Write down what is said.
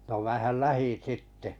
no minähän lähdin sitten